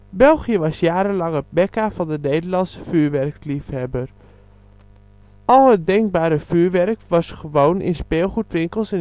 België was jarenlang het Mekka van de Nederlandse vuurwerkfreak. Al het denkbare vuurwerk was gewoon in speelgoedwinkels